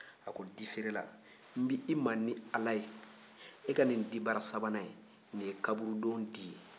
a ko di feerela n bɛ i ma ni ala ye i ka nin dibara sabanan in nin ye kaburudo di ye